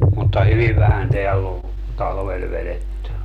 mutta hyvin vähän täällä on talvella vedetty